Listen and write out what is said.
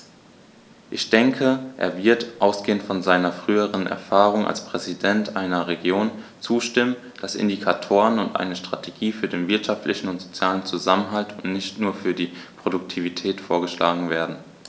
Ich denke, er wird, ausgehend von seiner früheren Erfahrung als Präsident einer Region, zustimmen, dass Indikatoren und eine Strategie für den wirtschaftlichen und sozialen Zusammenhalt und nicht nur für die Produktivität vorgeschlagen werden.